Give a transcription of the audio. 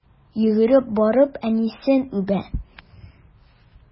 Йөгереп барып әнисен үбә.